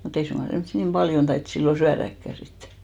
mutta ei suinkaan semmoisia niin paljon taidettu silloin syödäkään sitten